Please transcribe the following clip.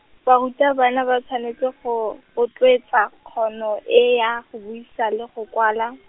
barutabana ba tshwanetse go, rotloetsa kgono e ya go buisa le go kwala.